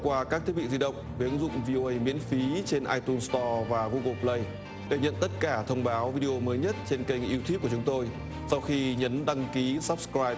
qua các thiết bị di động với ứng dụng vi ô ây miễn phí trên ai tun sờ to và gu gồ phờ lây để nhận tất cả thông báo vi đi ô mới nhất trên kênh diu túp của chúng tôi sau khi nhấn đăng kí sắp sờ quai